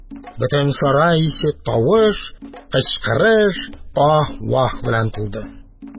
Бөтен сарай эче тавыш, кычкырыш, аһ-ваһ белән тулды.